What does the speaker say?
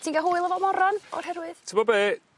Ti'n ga' hwyl efo moron o'r herwydd? T'mo' be'?